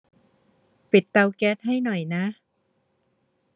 ปิดเตาแก๊สให้หน่อยนะ